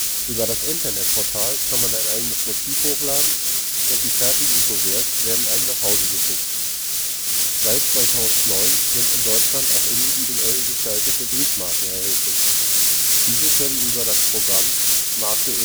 Über das Internetportal kann man ein eigenes Motiv hochladen und die fertigen Kuverts werden einem nach Hause geschickt. Seit 2009 sind in Deutschland auch individuell gestaltete Briefmarken erhältlich. Diese können über das Programm " Marke